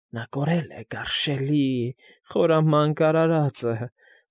Նա կորել է, գարշ֊շ֊շելի, խորամանկ արարածը։